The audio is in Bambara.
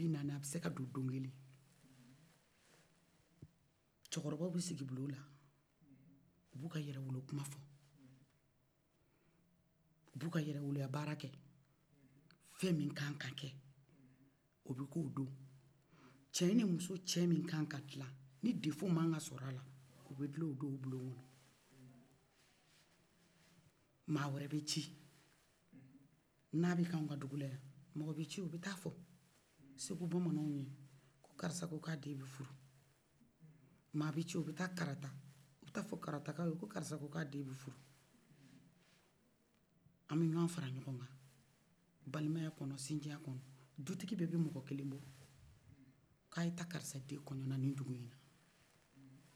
cɛkɔrɔbaw bɛ sigi bulonw kɔnɔ o b'u ka yɛrɛwolo kuman fɔ u b'u ka yɛrɛwolo bara kɛ fɛmi kakan ka kɛ o bɛ kɛ odo fɛmi kakan ka kɛ cɛ ni muso cɛ mi ka kan ka kilan ni de fo makan ka sɔrɔ la o bɛ kilan o do o bulon kɔnɔ man wɛrɛ bɛ ci n'a bɛkɛ anw ka dugula mɔgɔ wɛrɛ bɛ ci o bɛ ta fo segu bamanan ye ko karisa ko ka den be furu n'o kɛla mɔgɔ wɛrɛ ci o bɛ tafo karta k'u ye ko karissa den bɛ furu an bɛ ɲɔngɔn fara ɲɔngɔn kan balimaya kɔnɔ sinjiya kɔnɔ dutigi bɛ be mɔgɔ keken kelen bɔ ko a ye ta karisa ka kɔnɲɔn la ni dugu ɲinan